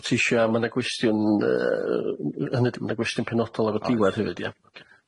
w' tisho ma' 'na gwestiwn yy yy hynny 'di ma' 'na gwestiwn penodol ar y diwedd hefyd ia.